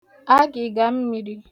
agị̀gàmmīrī